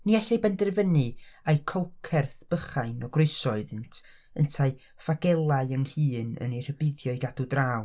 Ni allai benderfynu ai coelcerth bychain o groeso oeddent ynteu ffagelau ynghyn yn ei rhybuddio i gadw draw.